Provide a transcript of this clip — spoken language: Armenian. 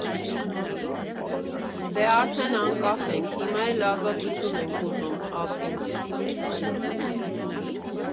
«Դե՛, արդեն անկախ ենք, հիմա էլ ազատություն ենք ուզում» ասինք։